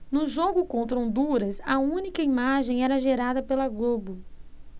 no jogo contra honduras a única imagem era gerada pela globo